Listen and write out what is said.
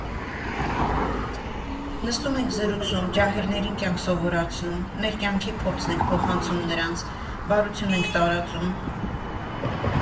Նստում ենք զրուցում, ջահելներին կյանք սովորացնում, մեր կյանքի փորձն ենք փոխանցում նրանց, բարություն ենք տարածում։